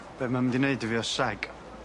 Be mae'n mynd i neud i fi o seg?